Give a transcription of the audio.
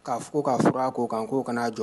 Ka fɔ ka fura ko kan k' kana'a jɔ